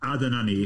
A dyna ni.